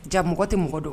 Ja mɔgɔ tɛ mɔgɔ dɔn.